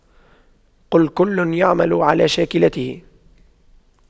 قُل كُلٌّ يَعمَلُ عَلَى شَاكِلَتِهِ